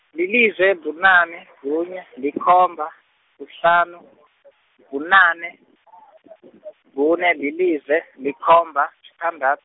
lilize, bunane, kunye, likhomba, kuhlanu , kunane, kune, lilize, likhomba, sithandat-.